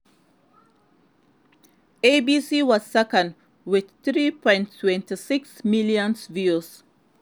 ABC was second with 3.26 million viewers.